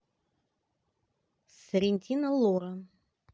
соррентино лоро